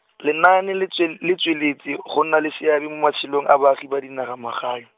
lenaane le tswel-, le tsweletse go nna le seabe mo matshelong a baagi ba dinaga magae.